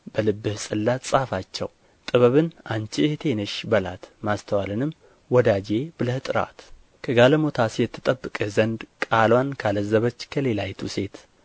በልብህ ጽላት ጻፋቸው ጥበብን አንቺ እኅቴ ነሽ በላት ማስተማውልንም ወዳጄ ብለህ ጥራት ከጋለሞታ ሴት ትጠብቅህ ዘንድ ቃልዋን ካለዘበች ከሌላይቱ ሴት